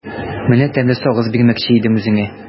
Менә тәмле сагыз бирмәкче идем үзеңә.